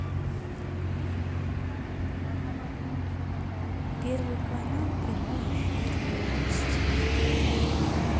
первый канал прямой эфир новости